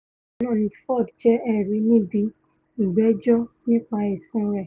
Bákannáà ni Ford jẹ́ ẹ̀rí níbi ìgbẹ́jọ́ nípa ẹ̀sùn rẹ̀.